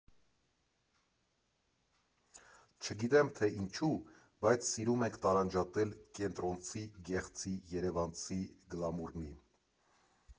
Չգիտեմ, թե ինչո՞ւ, բայց սիրում ենք տարանջատել՝ կենտրոնցի, գեղցի, երևանցի, գլամուռնի…